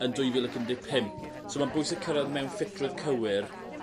yn dwy fil ac un deg pump so ma'n bwysig cyrraedd mewn ffitrwydd cywir